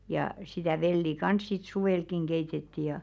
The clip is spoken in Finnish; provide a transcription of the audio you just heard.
ja sitä vellin kanssa sitten suvellakin keitettiin ja